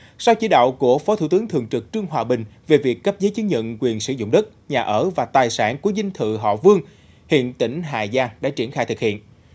sau chỉ đạo của phó thủ tướng thường trực trương hòa bình về việc cấp giấy chứng nhận quyền sử dụng đất nhà ở và tài sản của dinh thự họ vương hiện tỉnh hà giang đã triển khai thực hiện